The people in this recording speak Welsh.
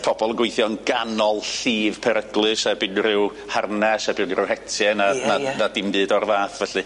Pobol yn gweithio'n ganol llif peryglus 'eb unryw harness 'eb 'yd yn o'd hetie na na na dim byd o'r fath felly.